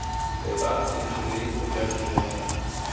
er barnið ikki við so gert tú hetta